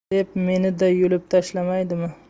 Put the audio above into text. deb meni da yulib tashlamaydimi